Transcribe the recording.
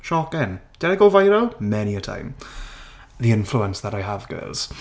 Shocking. Did I go viral? Many a time. The influence that I have, girls.